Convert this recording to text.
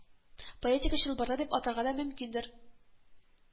Поэтика чылбыры дип атарга да мөмкиндер